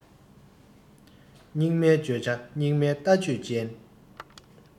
སྙིགས མའི བརྗོད བྱ སྙིགས མའི ལྟ སྤྱོད ཅན